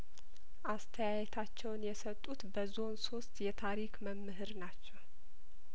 አስተያየታቸውን የሰጡት በዞን ሶስት የታሪክ መምህር ናቸው